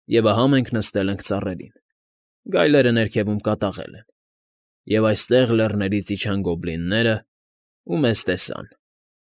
Եվ ահա մենք նստել ենք ծառերին, գայլերը ներքևում կատաղել են, և այստեղ լեռներից իջան գոբլիններն ու մեզ տեսան։